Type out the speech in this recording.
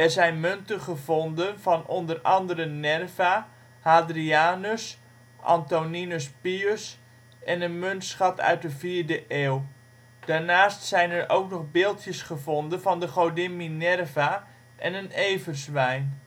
zijn munten gevonden van onder andere Nerva, Hadrianus, Antoninus Pius en een muntschat uit de vierde eeuw. Daarnaast zijn er ook nog beeldjes gevonden van de godin Minerva en een everzwijn